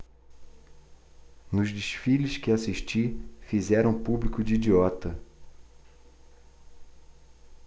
nos desfiles que assisti fizeram o público de idiota